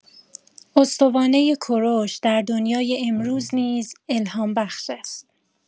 استوانه کوروش در دنیای امروز نیز الهام‌بخش است.